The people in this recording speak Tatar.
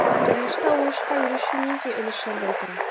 Тормышта уңышка ирешү нинди өлешләрдән тора?